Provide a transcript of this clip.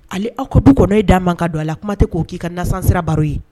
Ale aw kop kɔnɔ e da' man kan don a la kuma tɛ k'o k'i ka nasansira baro ye